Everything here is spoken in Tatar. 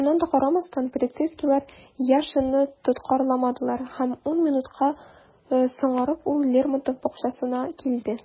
Шуңа да карамастан, полицейскийлар Яшинны тоткарламадылар - һәм ун минутка соңарып, ул Лермонтов бакчасына килде.